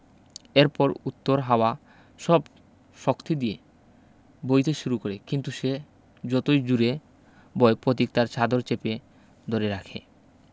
এরপর উত্তর হাওয়া সব শক্তি দিয়ে বইতে শুরু করে কিন্তু সে যতই জুরে বয় পতিক তার চাদর চেপে দরে রাখে